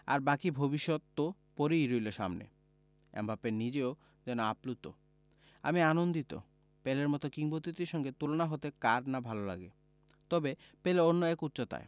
আর বাকি ভবিষ্যৎ তো পড়েই রইল সামনে এমবাপ্পে নিজেও যেন আপ্লুত আমি আনন্দিত পেলের মতো কিংবদন্তির সঙ্গে তুলনা হতে কার না ভালো লাগে তবে পেলে অন্য এক উচ্চতায়